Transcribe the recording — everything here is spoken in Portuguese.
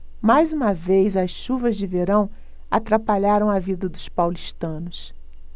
mais uma vez as chuvas de verão atrapalharam a vida dos paulistanos